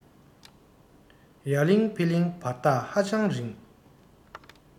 ཡ གླིང ཧྥེ གླིང བར ཐག ཧ ཅང རིང